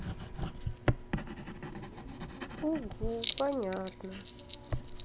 угу понятно